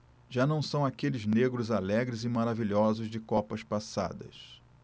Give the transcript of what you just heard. já não são aqueles negros alegres e maravilhosos de copas passadas